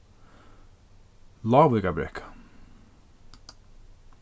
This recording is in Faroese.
lávíkabrekka